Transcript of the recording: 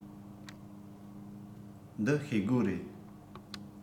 འདི ཤེལ སྒོ རེད